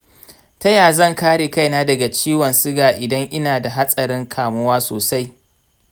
ta ya zan kare kaina daga ciwon siga idan ina da hatsarin kamuwa sosai?